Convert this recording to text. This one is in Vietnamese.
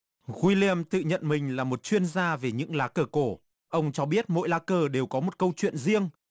ghi li am tự nhận mình là một chuyên gia về những lá cờ cổ ông cho biết mỗi lá cờ đều có một câu chuyện riêng